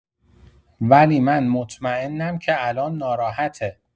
ولی من مطمئنم که الان ناراحته